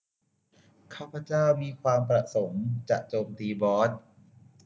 ข้าพเจ้ามีความประสงค์จะโจมตีบอส